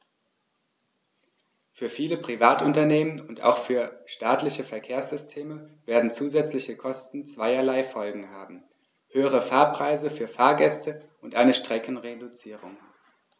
Für viele Privatunternehmen und auch für staatliche Verkehrssysteme werden zusätzliche Kosten zweierlei Folgen haben: höhere Fahrpreise für Fahrgäste und eine Streckenreduzierung.